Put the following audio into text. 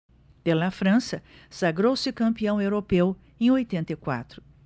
pela frança sagrou-se campeão europeu em oitenta e quatro